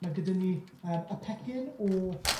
ma' gyda ni yym y pecyn o